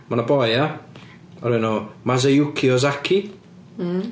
Mae 'na boi ia o'r enw Mazayuki Ozaki... hmm...